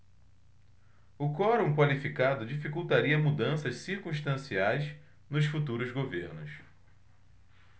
o quorum qualificado dificultaria mudanças circunstanciais nos futuros governos